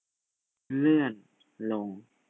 เลื่อนลง